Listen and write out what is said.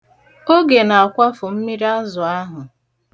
Oge na-akwafu mmiri azụ ahụ.